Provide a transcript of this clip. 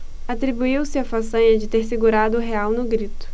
atribuiu-se a façanha de ter segurado o real no grito